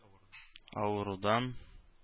Авырудан